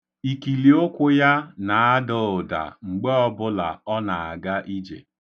Ikiliụkwụ ya na-ada ụda mgbe ọbụla ọ na-aga ije.